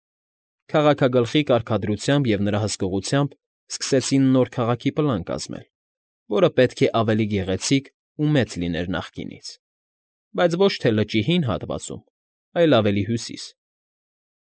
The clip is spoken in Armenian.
Քաղաքագլխի կարգադրությամբ և նրա հսկողությամբ սկսեցին նոր քաղաքի պլան կազմել, որը պետք է ավելի գեղեցիկ ու մեծ լիներ նախկինից, բայց ոչ թե լճի հին հատվածում, այլ ավել հյուսիս։